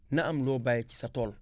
na am loo bàyyi ci sa tool